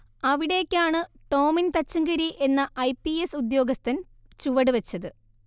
അവിടേക്കാണ് ടോമിൻ തച്ചങ്കരി എന്ന ഐപിഎസ് ഉദ്യോഗസ്ഥൻ ചുവടുവെച്ചത്